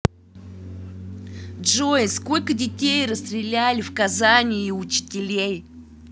джой сколько детей растреляли в казани и учителей